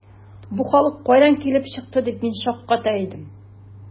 “бу халык кайдан килеп чыкты”, дип мин шакката идем.